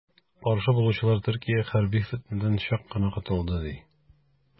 Каршы булучылар, Төркия хәрби фетнәдән чак кына котылды, ди.